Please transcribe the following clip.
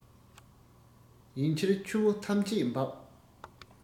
ཡིན ཕྱིར ཆུ བོ ཐམས ཅད འབབ